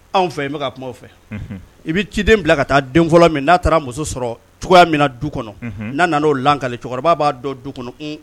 I bɛ ci bila ka taa fɔlɔ min'a taara muso sɔrɔ cogoya min du kɔnɔ n'a o laka cɛkɔrɔba b'a dɔn du kɔnɔ